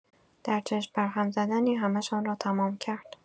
در چشم بر هم زدنی همه‌شان را تمام کرد!